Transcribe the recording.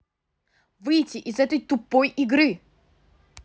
выйти из этой тупой игры